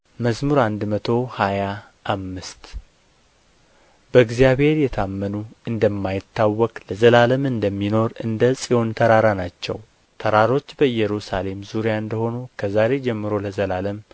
መዝሙር መቶ ሃያ አምስት በእግዚአብሔር የታመኑ እንደማይታወክ ለዘላለም እንደሚኖር እንደ ጽዮን ተራራ ናቸው ተራሮች በኢየሩሳሌም ዙሪያ እንደ ሆኑ ከዛሬ ጀምሮ ለዘላለም